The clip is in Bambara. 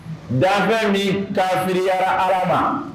Dan fɛn min kafiliyara Ala ma.